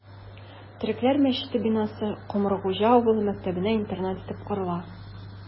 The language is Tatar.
Төрекләр мәчете бинасы Комыргуҗа авылы мәктәбенә интернат итеп корыла...